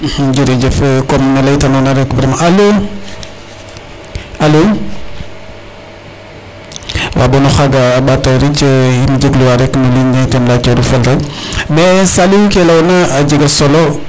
Jerejef comme ne laytanoona rek vraiment alo alo wa bon oxaaga a ɓaata ric i njegluwaa rek no ligne ne ten yaaceeru fel rek mais Saliou ke layoona a jega solo.